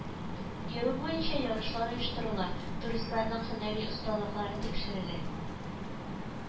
Йөрү буенча ярышлар оештырыла, туристларның һөнәри осталыклары тикшерелә